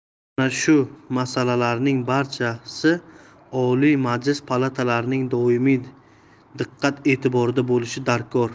ana shu masalalarning barchasi oliy majlis palatalarining doimiy diqqat e'tiborida bo'lishi darkor